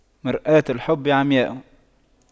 مرآة الحب عمياء